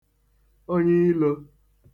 onyeilō